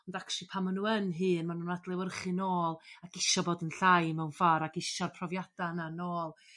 Ond actually pan ma' nhw yn hŷn ma' nhw'n adlewyrchu'n ôl ac isio bod yn llai mewn ffor ac isio'r profiadau yna nôl .